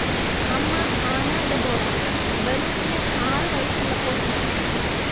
അമ്മ Anna Deborah ബറൂക്കിന് ആറുവയസ്സുള്ളപ്പോൾ മരിച്ചു